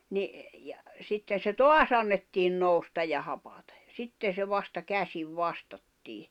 niin ja sitten se taas annettiin nousta ja hapattua ja sitten se vasta käsin vastattiin